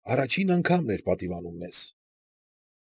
Աոաջին անգամն էր պատիվ անում մեզ։